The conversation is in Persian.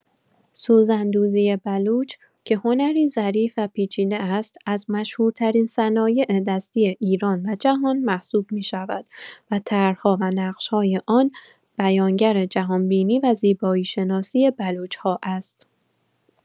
سوزن‌دوزی بلوچ، که هنری ظریف و پیچیده است، از مشهورترین صنایع‌دستی ایران و جهان محسوب می‌شود و طرح‌ها و نقش‌های آن بیانگر جهان‌بینی و زیبایی‌شناسی بلوچ‌ها است.